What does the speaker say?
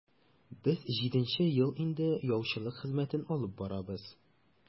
Без җиденче ел инде яучылык хезмәтен алып барабыз.